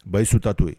Ba ye suta to yen